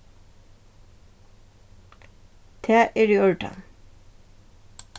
tað er í ordan